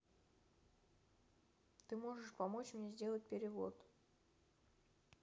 ты можешь помочь мне сделать перевод